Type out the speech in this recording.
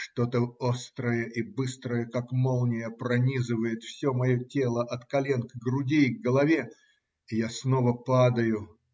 Что-то острое и быстрое, как молния, пронизывает все мое тело от колен к груди и голове, и я снова падаю.